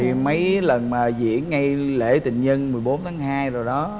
thì mấy lần mà diễn ngay lễ tình nhân mười bốn tháng hai rồi đó